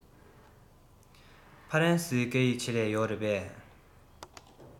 ཧྥ རན སིའི སྐད ཡིག ཆེད ལས ཡོད རེད པས